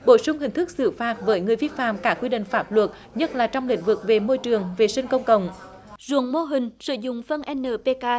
bổ sung hình thức xử phạt với người vi phạm cả quy định pháp luật nhất là trong lĩnh vực về môi trường vệ sinh công cộng ruộng mô hình sử dụng phân en nờ pê ka